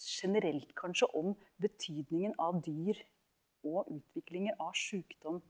generelt kanskje om betydningen av dyr og utviklinger av sjukdom?